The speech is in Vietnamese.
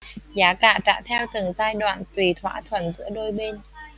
giá cả trả theo từng giai đoạn tùy thỏa thuận giữa đôi bên